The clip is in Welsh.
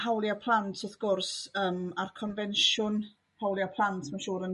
hawlia' plant wrth gwrs yym a'r confensiwn hawlia' plant ma'n siŵr yn